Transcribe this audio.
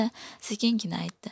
sekingina aytdi